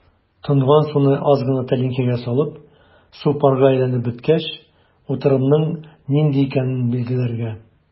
Тонган суны аз гына тәлинкәгә салып, су парга әйләнеп беткәч, утырымның нинди икәнен билгеләргә.